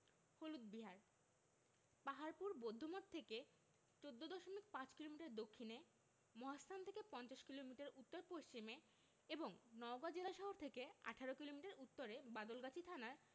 হলুদ বিহার পাহাড়পুর বৌদ্ধমঠ থেকে ১৪দশমিক ৫ কিলোমিটার দক্ষিণে মহাস্থান থেকে পঞ্চাশ কিলোমিটার উত্তর পশ্চিমে এবং নওগাঁ জেলাশহর থেকে ১৮ কিলোমিটার উত্তরে বাদলগাছি থানার